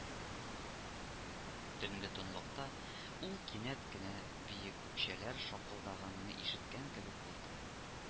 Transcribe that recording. Төнге тынлыкта ул кинәт кенә биек үкчәләр шакылдаганны ишеткән кебек булды